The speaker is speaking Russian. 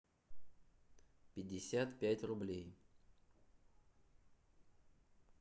пятьдесят пять рублей